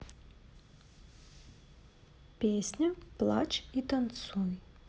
песня плачь и танцуй